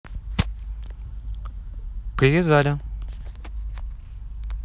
привязали